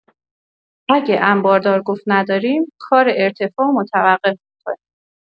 اگه انباردار گفت نداریم، کار ارتفاع رو متوقف می‌کنیم.